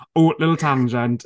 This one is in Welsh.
Ww, little tangent!